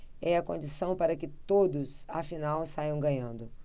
é a condição para que todos afinal saiam ganhando